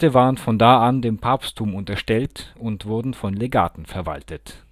waren von da an dem Papsttum unterstellt und wurden von Legaten verwaltet